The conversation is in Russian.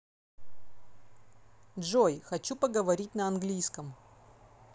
джой хочу поговорить на английском